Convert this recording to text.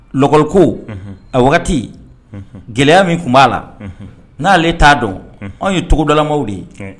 Kɔli ko a wagati gɛlɛya min tun b'a la n'ale ale t'a dɔn anw ye togodalama de ye